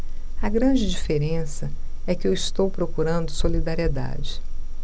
a grande diferença é que eu estou procurando solidariedade